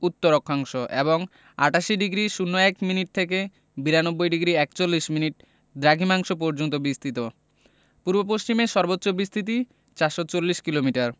উত্তর অক্ষাংশ এবং ৮৮ ডিগ্রি ০১ মিনিট থেকে ৯২ ডিগ্রি ৪১মিনিট দ্রাঘিমাংশ পর্যন্ত বিস্তৃত পূর্ব পশ্চিমে সর্বোচ্চ বিস্তৃতি ৪৪০ কিলোমিটার